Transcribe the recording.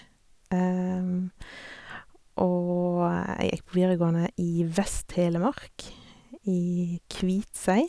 Og jeg gikk på videregående i Vest-Telemark, i Kviteseid.